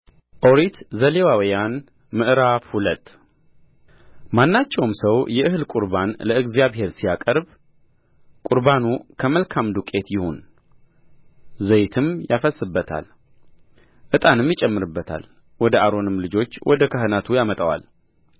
ኦሪት ዘሌዋውያን ምዕራፍ ሁለት ማናቸውም ሰው የእህል ቍርባን ለእግዚአብሔር ሲያቀርብ ቍርባኑ ከመልካም ዱቄት ይሁን ዘይትም ያፈስስበታል ዕጣንም ይጨምርበታልወደ አሮንም ልጆች ወደ ካህናቱ ያመጣዋል